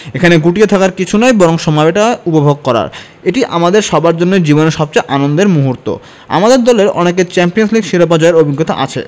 এখানে গুটিয়ে থাকার কিছু নেই বরং সময়টা উপভোগ করার এটি আমাদের সবার জন্যই জীবনের সবচেয়ে আনন্দের মুহূর্ত আমাদের দলের অনেকের চ্যাম্পিয়নস লিগ শিরোপা জয়ের অভিজ্ঞতা আছে